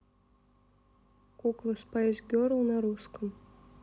куклы спайс герл на русском